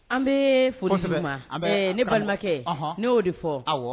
An bɛ foli ne balimakɛ ne y'o de fɔ